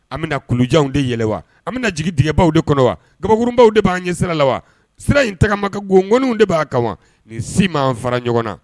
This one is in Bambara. An bɛ na kulujanw de yɛlɛ wa an bɛ na jigijɛbaw de kɔnɔ wa kabakourunbaww b'an ɲɛ sira la wa sira in tagama ka gɔnw de b'a kan wa nin si ma fara ɲɔgɔn na